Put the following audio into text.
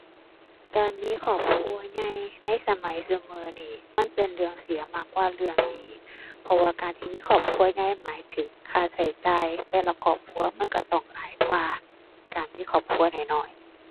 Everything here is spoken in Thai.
การมีครอบครัวใหญ่ในสมัยซุมื้อนี้ มันเป็นเรื่องเสียมากกว่าเรื่องดี เพราะว่าการที่มีครอบครัวใหญ่หมายถึงค่าใช้จ่ายแต่ละครอบครัว มันใช้ต้องหลายกว่าการมีครอบครัวน้อยน้อย